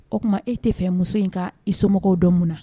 O tuma e tɛ fɛ muso in ka i somɔgɔw dɔn munna